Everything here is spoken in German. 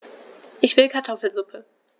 Ich will Kartoffelsuppe.